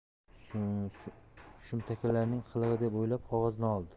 shumtakalarning qilig'i deb o'ylab qog'ozni oldi